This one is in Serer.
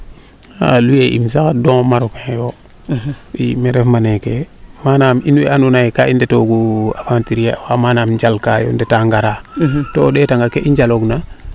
xa'a loyer iim sax don Marocain yoo mi ref me ref ma meeke manaam in wee ando naye ka i ndeto gu avanture iye oogu manaam njal kaa yo ndeta ngaraa to o ndeeta nga kee i njalo gina